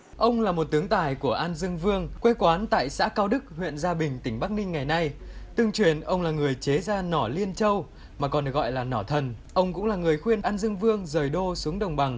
ông là một tướng tài của an dương vương quê quán tại xã cao đức huyện gia bình tỉnh bắc ninh ngày nay tương truyền ông là người chế ra nỏ liên châu mà còn gọi là nỏ thần ông cũng là người khuyên an dương vương dời đô xuống đồng bằng